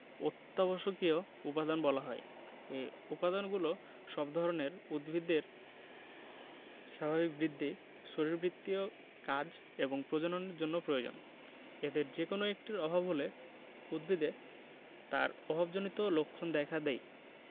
অত্যাবশ্যকীয় উপাদান বলা হয় এই উপাদানগুলো সব ধরনের উদ্ভিদের স্বাভাবিক বৃদ্ধি শরীরবৃত্তীয় কাজ এবং প্রজননের জন্য প্রয়োজন এদের যেকোনো একটির অভাব হলে উদ্ভিদে তার অভাবজনিত লক্ষণ দেখা দেয়